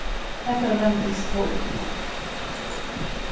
hetta royndist tó illa